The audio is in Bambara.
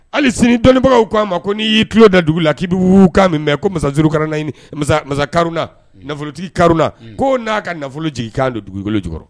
Hali sini dɔnnibagaw ko a ma n'i y'i ki tulolo da dugu la k'i bɛ wuukan min mɛn ko masaurukaraɲini mansakauna nafolotikaruna ko n'a ka nafolo jiginkan don dugukolo jɔyɔrɔ